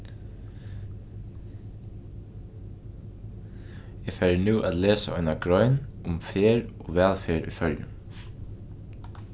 eg fari nú at lesa eina grein um ferð og vælferð í føroyum